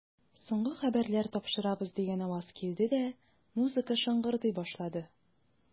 Соңгы хәбәрләр тапшырабыз, дигән аваз килде дә, музыка шыңгырдый башлады.